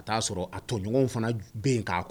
A'a sɔrɔ a tɔɲɔgɔnw fana bɛn kan kɔnɔ